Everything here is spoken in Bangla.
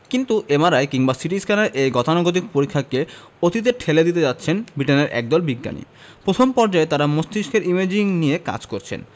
কিন্তু এমআরআই কিংবা সিটিস্ক্যানের এই গতানুগতিক পরীক্ষাকে অতীতে ঠেলে দিতে যাচ্ছেন ব্রিটেনের একদল বিজ্ঞানী প্রথম পর্যায়ে তারা মস্তিষ্কের ইমেজিং নিয়ে কাজ করেছেন